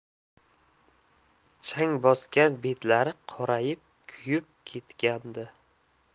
chang bosgan betlari qorayib kuyib ketgandi